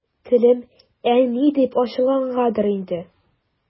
Телем «әни» дип ачылгангадыр инде.